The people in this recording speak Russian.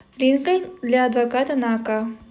линкольн для адвоката на ока